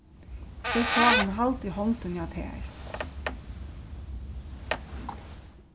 eg sá hann halda í hondini á tær